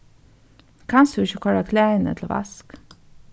kanst tú ikki koyra klæðini til vask